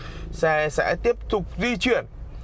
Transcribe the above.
xe sẽ tiếp tục di chuyển